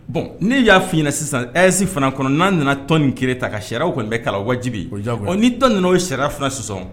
Bon ne y'a f i na sisan ɛsi fana kɔnɔ n'an nana tɔn nin ke ta ka sew kɔni bɛ kalan wajibi ja ni tɔn ninnu o ye sariya f sisansɔ